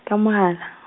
ka mohala.